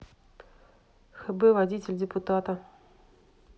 хб водитель депутата